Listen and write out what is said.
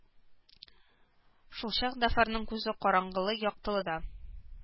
Шулчак дафарның күзе караңгылы-яктылыда